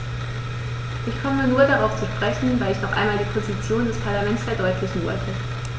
Ich komme nur darauf zu sprechen, weil ich noch einmal die Position des Parlaments verdeutlichen wollte.